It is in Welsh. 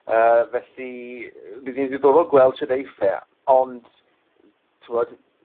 yy felly yy bydd 'i'n ddiddorol gweld shwd eiff e ond t'wod